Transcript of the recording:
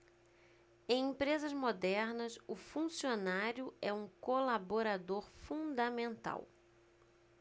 em empresas modernas o funcionário é um colaborador fundamental